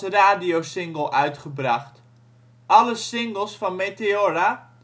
radiosingle uitgebracht. Alle singles van Meteora